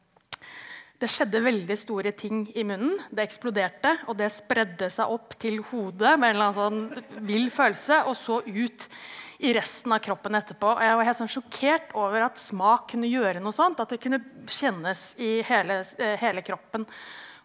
det skjedde veldig store ting i munnen, det eksploderte, og det spredde seg opp til hodet med en eller annen sånn vill følelse, og så ut i resten av kroppen etterpå, og jeg var helt sånn sjokkert over at smak kunne gjøre noe sånt, at det kunne kjennes i hele hele kroppen.